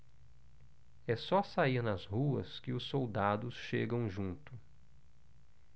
é só sair nas ruas que os soldados chegam junto